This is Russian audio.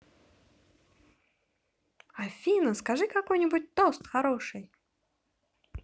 афина скажи какой нибудь тост хороший